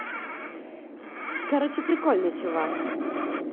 короче прикольный чувак